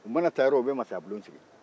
u mana taa yɔrɔ-yɔrɔ u bɛ mansaya bulon sigi